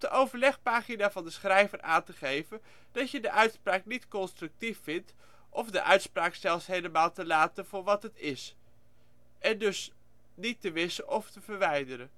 overlegpagina van de schrijver aan te geven, dat je de uitspraak niet constructief vindt, of de uitspraak zelfs helemaal te laten voor wat het is, en dus niet te wissen of verwijderen